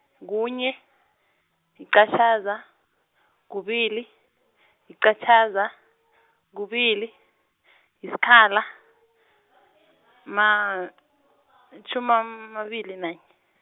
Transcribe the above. kunye, liqatjhaza, kubili, liqatjhaza, kubili, lisikhala, matjhumi amabili nanye.